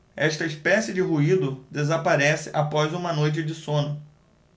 esta espécie de ruído desaparece após uma noite de sono